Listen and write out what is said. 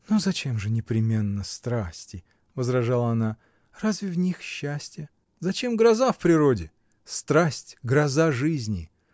— Но зачем же непременно страсти, — возражала она, — разве в них счастье?. — Зачем гроза в природе?. Страсть — гроза жизни.